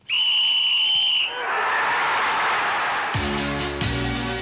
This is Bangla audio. মিউজিক